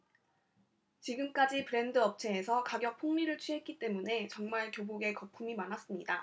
지금까지 브랜드 업체에서 가격폭리를 취했기 때문에 정말 교복에 거품이 많았습니다